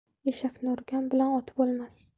eshakni urgan bilan ot bo'lmas